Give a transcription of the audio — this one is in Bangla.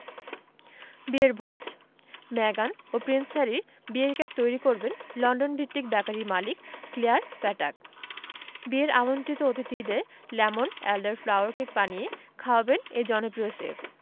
বিয়ের ভোজ মেগান ও প্রিন্স হ্যারির বিয়ের কেক তৈরি করবেন লন্ডনভিত্তিক বেকারি মালিক ক্লেয়ার পেতাক বিয়ের আমন্ত্রিত অতিথিদের লেমন এলডার ফ্লাওয়ার কেক বানিয়ে খাওয়াবেন এই জনপ্রিয় শেফ